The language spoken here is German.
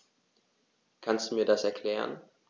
Kannst du mir das erklären?